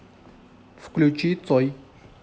включи цой